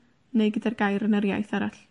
neu gyda'r gair yn yr iaith arall.